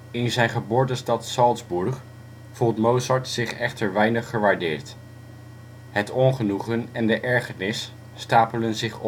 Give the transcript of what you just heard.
In zijn geboortestad Salzburg voelt Mozart zich echter weinig gewaardeerd. Het ongenoegen en de ergernis stapelen zich op